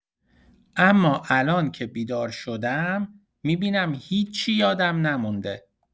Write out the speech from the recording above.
اما الان که بیدار شدم، می‌بینم هیچی یادم نمونده.